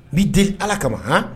N b'i deeli allah kama.